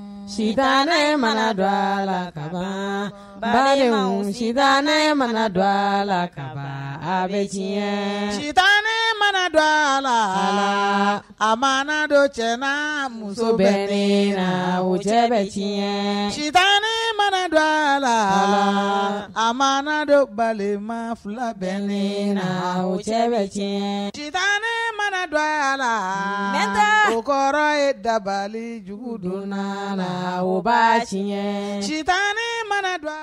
Sita ne mana dɔ a la ka ba bali sita ne mana dɔ a la ka bɛ jigin ci ne mana dɔ a la a ma dɔ cɛ muso bɛ wo cɛ bɛɲɛ cita ne mana dɔ a la a mana dɔbalima fila bɛ le na cɛ bɛ tiɲɛ ci tan ne mana don a la n taa kɔrɔ ye dabalijugu donna la o baasi ci tan ne mana don a la